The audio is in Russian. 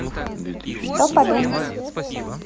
что подумать